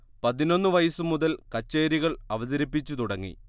പതിനൊന്ന് വയസ്സു മുതൽ കച്ചേരികൾ അവതരിപ്പിച്ചു തുടങ്ങി